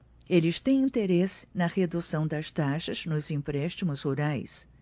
eles têm interesse na redução das taxas nos empréstimos rurais